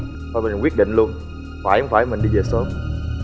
thôi bây giờ quyết định luôn phải không phải đi về sớm